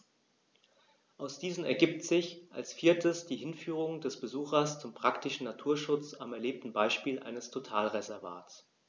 Aus diesen ergibt sich als viertes die Hinführung des Besuchers zum praktischen Naturschutz am erlebten Beispiel eines Totalreservats.